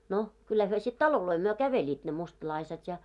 no kyllä he sitten taloja myöten kävelivät ne mustalaiset ja